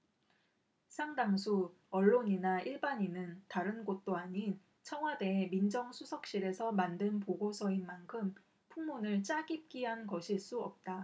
상당수 언론이나 일반인은다른 곳도 아닌 청와대의 민정수석실에서 만든 보고서인 만큼 풍문을 짜깁기한 것일 수 없다